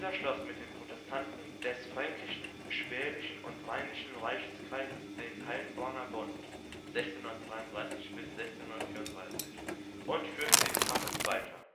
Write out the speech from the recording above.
schloss mit den Protestanten des fränkischen, schwäbischen und rheinischen Reichskreises den Heilbronner Bund (1633 – 1634) und führte den Kampf weiter